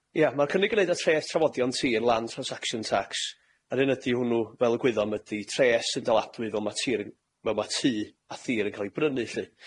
Ia, ma'r cynnig yn neud â treth trafodion tir, land transaction tax, a'r hyn ydi hwnnw, fel y gwyddom, ydi treth sy'n daladwy fel ma' tir yn- fel ma' tŷ a thir yn ca'l 'i brynu lly.